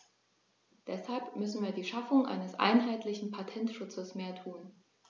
Deshalb müssen wir für die Schaffung eines einheitlichen Patentschutzes mehr tun.